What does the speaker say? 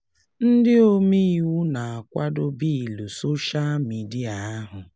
Ndị omeiwu na-akwado bịịlụ soshaa midịa ahụ